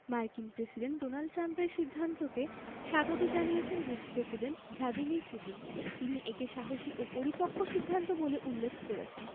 মার্কিন president Donald ট্রাম্পের সিদ্ধান্তকে স্বাগত জানিয়েছেন রুশ প্রেসিডেন্ট ভ্লাদিমির পুতিন তিনি একে সাহসী ও পরিপক্ব সিদ্ধান্ত বলে উল্লেখ করেছেন